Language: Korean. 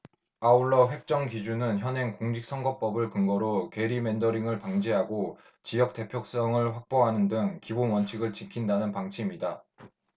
아울러 획정 기준은 현행 공직선거법을 근거로 게리맨더링을 방지하고 지역대표성을 확보하는 등 기본 원칙을 지킨다는 방침이다